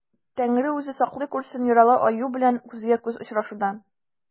Тәңре үзе саклый күрсен яралы аю белән күзгә-күз очрашудан.